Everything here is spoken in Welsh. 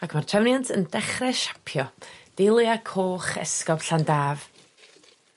Ac ma'r trefniant yn dechre siapio Dahlia coch Esgob Llandaf.